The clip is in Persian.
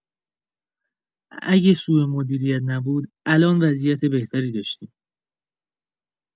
اگه سوءمدیریت نبود، الان وضعیت بهتری داشتیم.